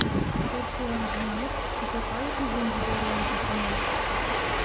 Куркуын җиңеп, кызыкай үзен җибәрүен үтенә.